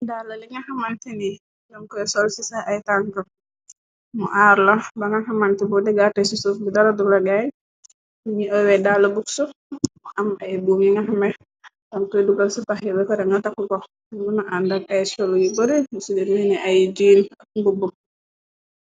Daala li nga xamanti ni yonkoy sol ci sa ay tank. Mu aar la ba nga xamanti bo degaate ci suuf bi daradu lagaay yini owe dalu buks. Am ay buum y nga xamex dantoy dugal ci pax yi ba. Pare nga takku ko munu àndak ay colu yu bare mu siderneeni ay jiin k mbubb.